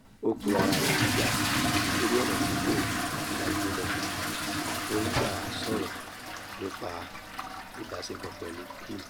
Ó gbe ara rẹ̀ níjà lórí ọ̀nà tí kò gbajúmọ̀ tó ń gbà sọ̀rọ̀ nípa ìbáṣepọ̀ pẹ̀lú Kim.